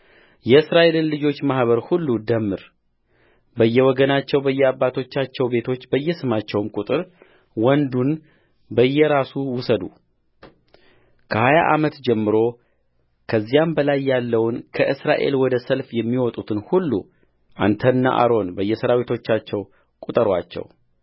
የእስራኤልን ልጆች ማኅበር ሁሉ ድምር በየወገናቸው በየአባቶቻቸው ቤቶች በየስማቸው ቍጥር ወንዱን በየራሱ ውሰዱከሀያ ዓመት ጀምሮ ከዚያም በላይ ያለውን ከእስራኤል ወደ ሰልፍ የሚወጡትን ሁሉ አንተና አሮን በየሠራዊቶቻቸው ቍጠሩአቸው